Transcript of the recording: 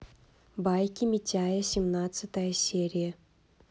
байки митяя семнадцатая серия